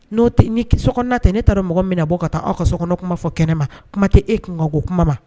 N'o ni so tɛ ne taara mɔgɔ min na bɔ ka taa aw ka sokɔnɔ kuma fɔ kɛnɛ ne ma kuma tɛ e kunko kuma ma